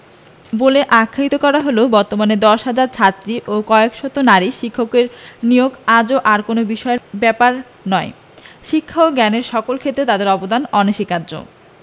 বলে আখ্যায়িত করা হলেও বর্তমানে ১০ হাজার ছাত্রী ও কয়েক শত নারী শিক্ষকের নিয়োগ আজও আর কোনো বিস্ময়ের ব্যাপার নয় শিক্ষা ও জ্ঞানের সকল ক্ষেত্রে তাদের অবদান অনস্বীকার্য